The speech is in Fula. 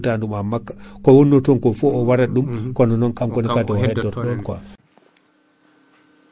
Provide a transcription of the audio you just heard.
eyyi joni non wono hen kaadi ene keɓa Aprostar o tawa dose o ɓe baɗani ɗum repecté